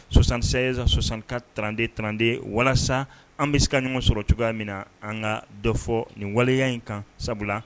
Sonsansɛsan sɔsanka tranden tranden walasa an bɛ se ka ɲɔgɔn sɔrɔ cogoya min na an ka dɔ fɔ nin waleya in kan sabula